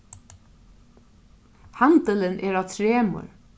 handilin er á tremur